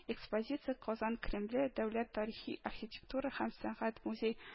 Экспозиция “Казан Кремле” дәүләт тарихи-архитектура һәм сәнгать музей-